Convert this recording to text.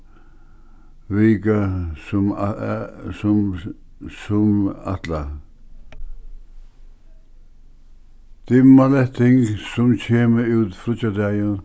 vika sum ætlað dimmalætting sum kemur út fríggjadagin